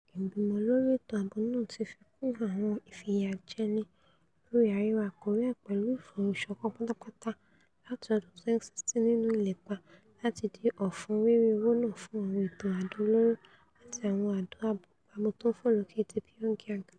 Ìgbìmọ lórí Ètò Ààbo náà ti fi kún àwọn ìfìyàjẹni lórí Àríwá Kòríà pẹ̀lú ìfohùnṣọ̀kan pátápátá láti ọdún 2016 nínú ìlépa láti di ọ̀fun rírí owó ná fún àwọn ètò àdó olóró àti àwọn àdó abúgbàmu tóńfòlókè ti Pyongyang.